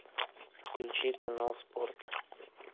включи канал спорт